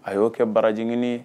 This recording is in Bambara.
A y'o kɛ barajeni